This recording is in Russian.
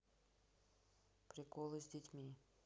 приколы с детьми